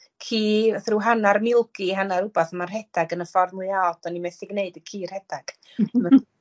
ci oth rw hanna'r milgi hannar rwbath a ma' rhedag yn y ffordd mwya od do'n ni methu gneud y ci rhedag.